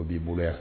O b'i bolo yan